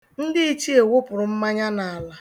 Ndị ichie wụpụrụ mmanya n'ala.